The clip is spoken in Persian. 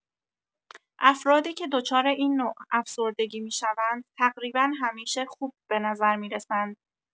افرادی که دچار این نوع افسردگی می‌شوند تقریبا همیشه خوب به نظر می‌رسند.